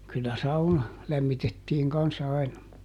kyllä sauna lämmitettiin kanssa aina